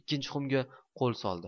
ikkinchi xumga qo'l soldi